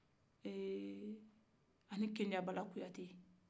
eee ani kenjabala kuyate